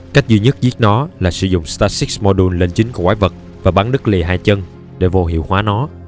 cách duy nhất giết nó là sử dụng stasis modules lên chính con quái vật và bắn đứt lìa hai chân để vô hiệu hóa nó